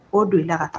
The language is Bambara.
O don i la ka taa